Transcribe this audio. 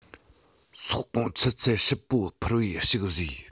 ཟོག གོང ཆུ ཚད ཧྲིལ པོ འཕར བའི ཞིག བཟོས